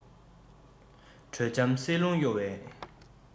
དྲོད འཇམ བསིལ རླུང གཡོ བའི